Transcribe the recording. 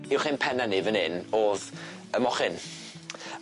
Uwch ein penne ni fyn 'yn o'dd y mochyn.